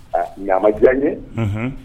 Aa nka a ma diya n ye